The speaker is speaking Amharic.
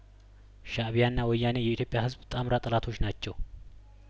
ሻእቢያና ወያኔ የኢትዮጵያ ህዝብ ጣምራ ጠላቶች ናቸው